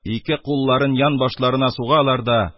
Ике кулларын янбашларына сугалар да: